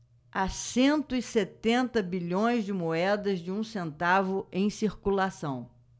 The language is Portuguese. há cento e setenta bilhões de moedas de um centavo em circulação